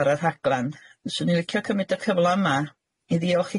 ar y rhaglan fyswn i'n licio cymyd y cyfla yma i ddiolch